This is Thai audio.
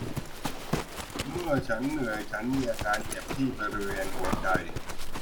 เมื่อฉันเหนื่อยฉันมีอาการเจ็บที่บริเวณหัวใจ